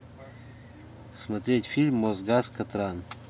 смотреть фильм мосгаз катран